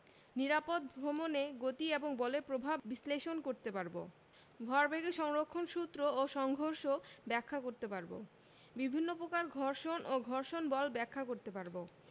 নিরাপদ ভ্রমণে গতি এবং বলের প্রভাব বিশ্লেষণ করতে পারব ভরবেগের সংরক্ষণ সূত্র ও সংঘর্ষ ব্যাখ্যা করতে পারব বিভিন্ন প্রকার ঘর্ষণ এবং ঘর্ষণ বল ব্যাখ্যা করতে পারব